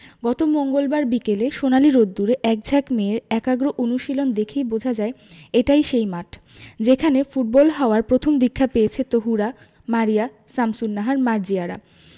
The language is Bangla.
গত মঙ্গলবার বিকেলে সোনালি রোদ্দুরে একঝাঁক মেয়ের একাগ্র অনুশীলন দেখেই বোঝা যায় এটাই সেই মাঠ যেখানে ফুটবল হওয়ার প্রথম দীক্ষা পেয়েছে তহুরা মারিয়া শামসুন্নাহার মার্জিয়ারা